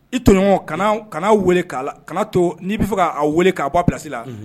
I tɔɲɔgɔn kana kana to n'i bɛ fɛ k'a weele k'a bɔ a bilasi la